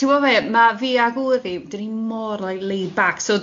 ti'bod be ma' fi a gŵr fi 'dan ni mor like laid back so